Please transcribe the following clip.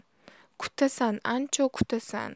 kutasan ancho kutasan